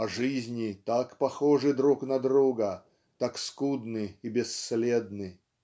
А жизни так похожи друг на друга, так скудны и бесследны!